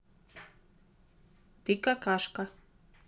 ты какашка